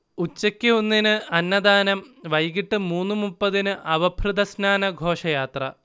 ഉച്ചക്ക് ഒന്നിന് അന്നദാനം വൈകീട്ട് മൂന്ന് മുപ്പതിന് അവഭൃഥ സ്നാന ഘോഷയാത്ര